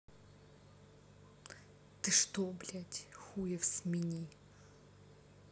ты что блядь хуев смени